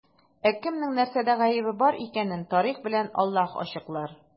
Ә кемнең нәрсәдә гаебе бар икәнен тарих белән Аллаһ ачыклар.